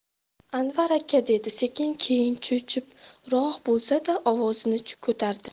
anvar aka dedi sekin keyin cho'chibroq bo'lsa da ovozini ko'tardi